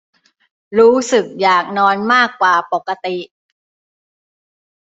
รู้สึกอยากนอนมากกว่าปกติ